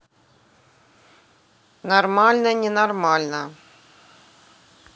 нормально ненормально